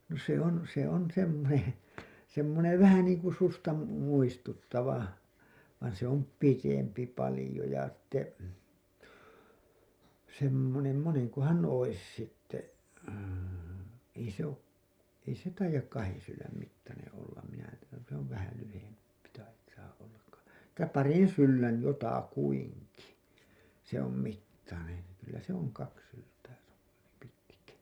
no se on se on semmoinen semmoinen vähän niin kuin suksea - muistuttava vaan se on pidempi paljon ja sitten semmoinen monenkohan olisi sitten ei se ole ei se taida kahden sylen mittainen olla minä se on vähän lyhempi taitaa olla - että parin sylen jotakuinkin se on mittainen kyllä se on kaksi syltä pitkä